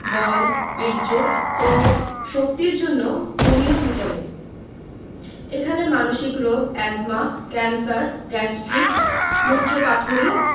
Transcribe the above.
বল বীর্য ও শক্তির জন্য হোমিও ভিটামিন এখানে মানসিক রোগ এ্যজমা ক্যান্সার গ্যাস্ট্রিক মুত্রপাথড়ী